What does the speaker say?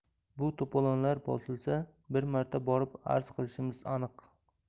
bu to'polonlar bosilsa bir marta borib arz qilishim aniq